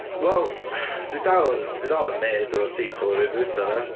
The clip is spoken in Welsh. Wel dwi dal yn, dwi dal yn amazed efo'r teitl yr un dwytha 'na.